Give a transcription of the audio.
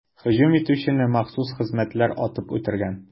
Һөҗүм итүчене махсус хезмәтләр атып үтергән.